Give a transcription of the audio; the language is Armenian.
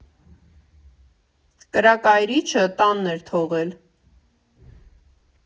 Կրակայրիչը տանն էր թողել։